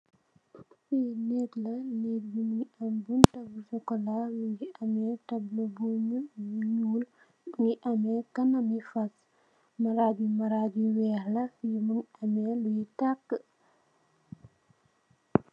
Fi neeg la neeg bi mongi am bunta bu chocola mongi ame tabla bu nuul mongi ame kanami fass maraj bi marag bu weex la mongi am lui taka.